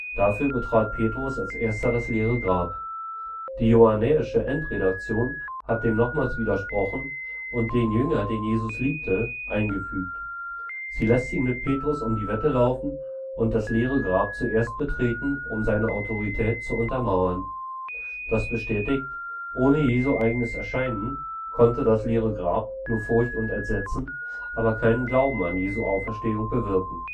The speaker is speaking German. Dafür betrat Petrus als Erster das leere Grab. Die johannäische Endredaktion hat dem nochmals widersprochen und den „ Jünger, den Jesus liebte “eingefügt: Sie lässt ihn mit Petrus um die Wette laufen und das leere Grab zuerst betreten, um seine Autorität zu untermauern. Das bestätigt: Ohne Jesu eigenes Erscheinen konnte das leere Grab nur Furcht und Entsetzen, aber keinen Glauben an Jesu Auferstehung bewirken